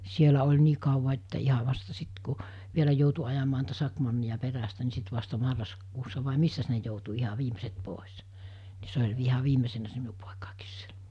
siellä oli niin kauan että ihan vasta sitten kun vielä joutui ajamaan niitä sakemanneja perästä niin sitten vasta marraskuussa vai missäs ne joutui ihan viimeiset pois niin se oli ihan viimeisenä se minun poikakin siellä